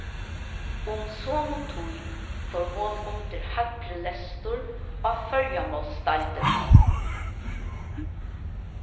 um somu tíð fór hon undir hægri lestur á føroyamálsdeildini